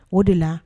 O de la